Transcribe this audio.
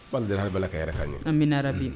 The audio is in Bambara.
Ali habala ka yɛrɛ k' ye anmina bi